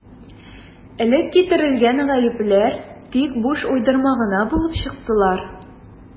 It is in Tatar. Элек китерелгән «гаепләр» тик буш уйдырма гына булып чыктылар.